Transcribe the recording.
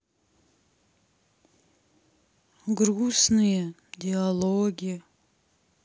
грустные диалоги